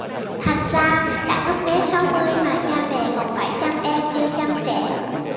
thành ra đã ngấp nghé sáu mươi mà cha mẹ còn phải chăm em như chăm trẻ